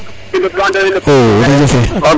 o réseau fe